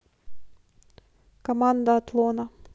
команда атлона